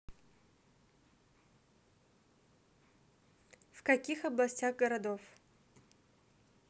в каких областях городов